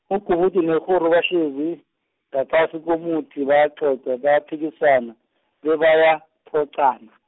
ugubudu nekghuru bahlezi, ngaphasi komuthi bayacoca, bayaphikisana, bebayaphoqana.